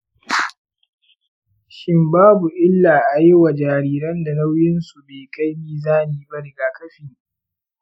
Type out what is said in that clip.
shin babu illa ayi wa jariran da nauyin su be kai mizani ba rigakafi?